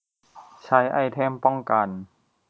ใช้ไอเทมป้องกัน